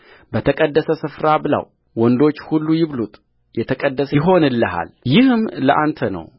በተቀደሰ ስፍራ ብላው ወንዶች ሁሉ ይብሉት የተቀደሰ ይሆንልሃልይህም ለአንተ ነው